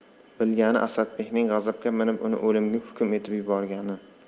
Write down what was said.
bilgani asadbekning g'azabga minib uni o'limga hukm etib yuborgani